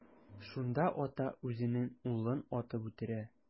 Шунда ата үзенең улын атып үтерә.